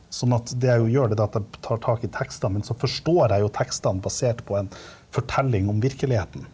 sånn at det jeg jo gjør det er det at jeg tar tak i tekstene, men så forstår jeg jo tekstene basert på en fortelling om virkeligheten.